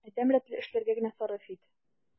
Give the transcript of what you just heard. Адәм рәтле эшләргә генә сарыф ит.